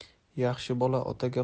yaxshi bola otaga